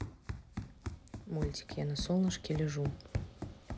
мультик я на солнышке лежу